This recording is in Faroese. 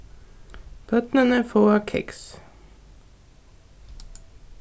børnini fáa keks